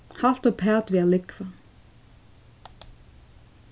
halt uppat við at lúgva